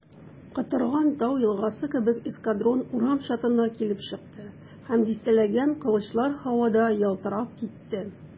Котырган тау елгасы кебек эскадрон урам чатына килеп чыкты, һәм дистәләгән кылычлар һавада ялтырап китте.